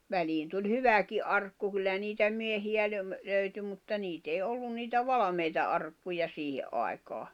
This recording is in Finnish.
väliin tuli hyväkin arkku kyllä niitä miehiä - löytyi mutta niitä ei ollut niitä valmiita arkkuja siihen aikaan